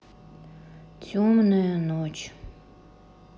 темная ночь